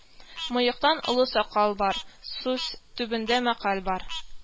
Мыектан олы сакал бар, сүз түбендә мәкаль бар